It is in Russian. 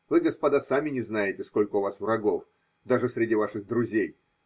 Вы, господа, сами не знаете, сколько у вас врагов даже среди ваших друзей.